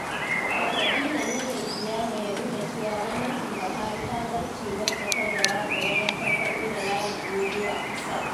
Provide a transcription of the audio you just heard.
Wataƙila niyyar Keyamo ya nuna cewa gwamnatin Buhari ta zarce wacce ta gabata wajen farfaɗo da layin dogo a ƙasar.